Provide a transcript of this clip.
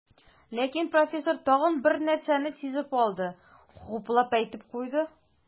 Ләкин профессор тагын бер нәрсәне сизеп алды, хуплап әйтеп куйды.